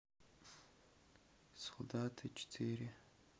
солдаты четыре